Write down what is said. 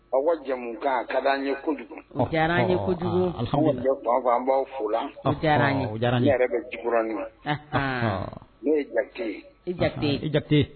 A jamumu kan ka di an ye kojugu kojugu bɛ an fo la jugu ma n'o ye ja